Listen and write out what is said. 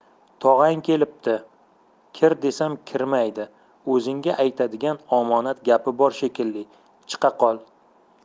tog'ang kelibdi kir desam kirmaydi o'zingga aytadigan omonat gapi bor shekilli chiqa qol